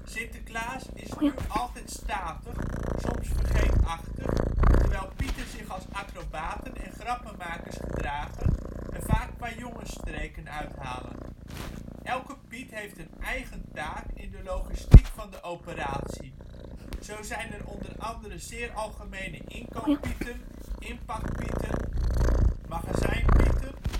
Sinterklaas is nu altijd statig, soms vergeetachtig, terwijl Pieten zich als acrobaten en grappenmakers gedragen en vaak kwajongensstreken uithalen. Elke Piet heeft een eigen taak in de logistiek van de operatie. Zo zijn er onder andere zeer algemene Inkooppieten, Inpakpieten, Magazijnpieten